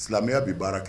Silamɛya bɛ baara kɛ